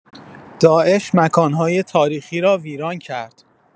داعش مکان‌های تاریخی را ویران کرد.